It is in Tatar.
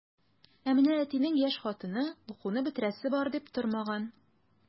Ә менә әтинең яшь хатыны укуны бетерәсе бар дип тормаган.